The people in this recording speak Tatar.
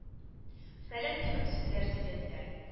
Фәлән кебек сүзләр сөйләделәр